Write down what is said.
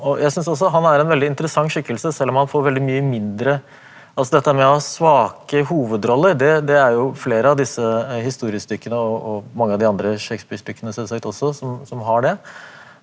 og jeg synes også han er en veldig interessant skikkelse selv om han får veldig mye mindre altså dette her med å ha svake hovedroller det det er jo flere av disse historiestykkene og og mange av de andre Shakespeare-stykkene sånn sett også som som har det.